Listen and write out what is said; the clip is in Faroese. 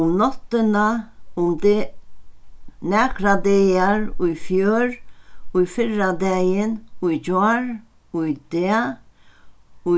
um náttina um nakrar dagar í fjør í fyrradagin í gjár í dag